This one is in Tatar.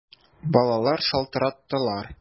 Балалар шалтыраттылар!